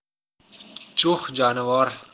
chuh jonivor